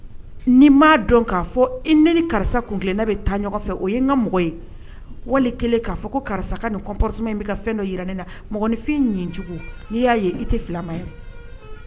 N'i m'a dɔn k'a fɔ, i ne ni karisa kuntilenna bɛ taa ɲɔgɔn fɛ, o ye n ka mɔgɔ ye, wali i kɛlen ka fɔ ko karisa ka nin comportement in bɛ ka fɛn dɔ jira ne na. Mɔgɔninfin ninjugu ni y'a ye i tɛ fili a ma.